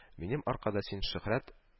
Минем аркада син шөһрәт